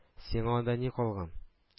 Сиңа анда ни калган